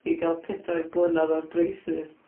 I ga'l pedair blynedd o'r braces.